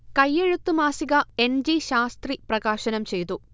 കൈയെഴുത്ത് മാസിക N. G Shastri പ്രകാശനം ചെയ്തു